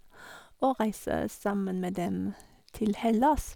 Og reise sammen med dem til Hellas.